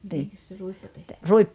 mitenkäs se ruippo tehdään